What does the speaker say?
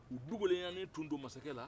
u duguyalen tun don masakɛ la